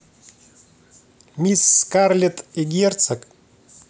мисс скарлетт и герцог